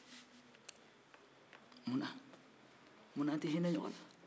munna an tɛ hinɛ ɲɔgɔn na